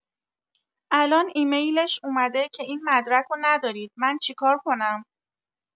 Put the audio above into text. الان ایمیلش اومده که این مدرکو ندارید من چیکار کنم؟